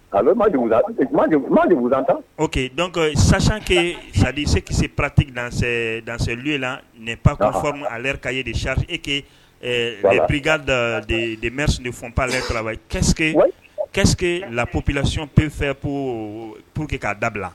A bɛ dɔn sasanke sadise kisikisɛse patedlu la nin pap fɔ ale ka ye de sari ekep da deme sunjata depssesse lappiplasion pefɛ ko pour que k'a dabila